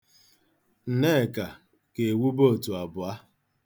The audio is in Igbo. Nneka ga-ewube otu abụọ.